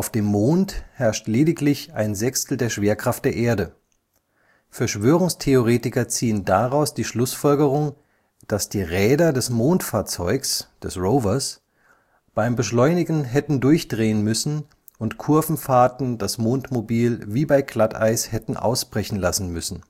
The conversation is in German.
dem Mond herrscht lediglich ein Sechstel der Schwerkraft der Erde. Verschwörungstheoretiker ziehen daraus die Schlussfolgerung, dass die Räder des Mondfahrzeugs (Rover) beim Beschleunigen hätten durchdrehen müssen und Kurvenfahrten das Mondmobil wie bei Glatteis hätten ausbrechen lassen müssen